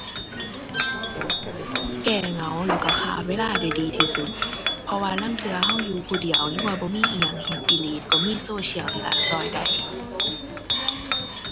แก้เหงาแล้วก็ฆ่าเวลาได้ดีที่สุด เพราะว่าลางเทื่อก็อยู่ผู้เดียวหรือว่าบ่มีอิหยังเฮ็ดอีหลี ก็มีโซเชียลนี่ละก็ได้